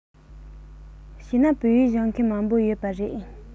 བྱས ན བོད ཡིག སྦྱོང མཁན མང པོ ཡོད པ རེད